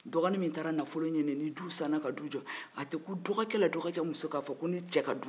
dɔgɔnin min taara nanfolo ɲini ni du sanna ka du jɔ a tɛ kun dɔgɔkɛ la dɔgɔkɛ muso k'a fɔ ko ne cɛ ka du